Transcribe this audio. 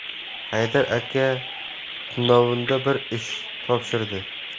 haydar aka tunovinda bir ish topshirdi